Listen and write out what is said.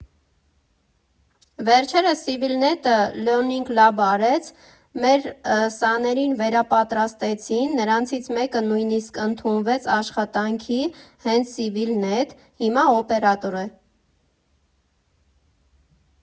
Վերջերս Սիվիլնեթը լըրնինգ լաբ արեց, մեր սաներին վերապատրաստեցին, նրանցից մեկը նույնիսկ ընդունվեց աշխատանքի հենց Սիվիլնեթ, հիմա օպերատոր է։